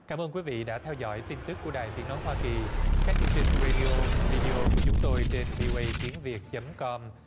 cám ơn quý vị đã theo dõi tin tức của đài tiếng nói hoa kỳ các chương trình rây đi ô vi đi ô của chúng tôi trên vi ô ây tiếng việt chấm com